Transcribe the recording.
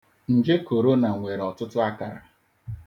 Nje corona nwere ọtụtụ akara.